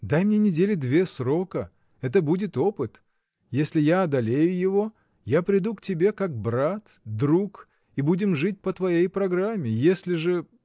дай мне недели две срока, это будет опыт: если я одолею его, я приду к тебе как брат, друг и будем жить по твоей программе. Если же.